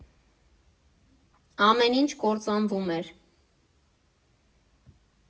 Ամեն ինչ կործանվում էր։